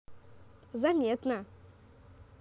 заметно